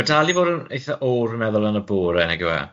Ma' dal i fod yn eitha or rwy'n meddwl yn y bore nag yw e?